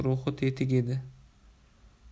ruhi tetik edi